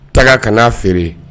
Taga kana n'a feere